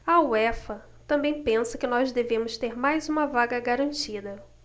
a uefa também pensa que nós devemos ter mais uma vaga garantida